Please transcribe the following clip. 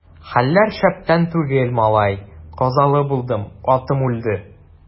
Хәлләр шәптән түгел, малай, казалы булдым, атым үлде.